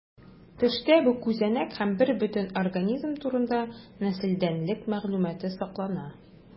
Төштә бу күзәнәк һәм бербөтен организм турында нәселдәнлек мәгълүматы саклана.